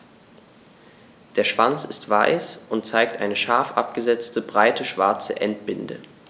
Der Schwanz ist weiß und zeigt eine scharf abgesetzte, breite schwarze Endbinde.